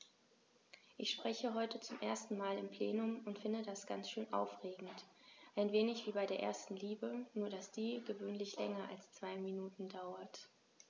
Ich spreche heute zum ersten Mal im Plenum und finde das ganz schön aufregend, ein wenig wie bei der ersten Liebe, nur dass die gewöhnlich länger als zwei Minuten dauert.